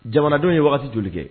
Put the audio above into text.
Jamanadenw ye waati tunli kɛ